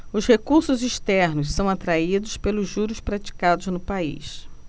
os recursos externos são atraídos pelos juros praticados no país